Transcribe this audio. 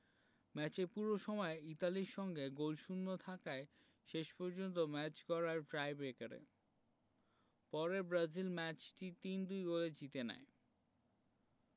ম্যাচের পুরো সময় ইতালির সঙ্গে গোলশূন্য থাকায় শেষ পর্যন্ত ম্যাচ গড়ায় টাইব্রেকারে পরে ব্রাজিল ম্যাচটি ৩ ২ গোলে জিতে নেয়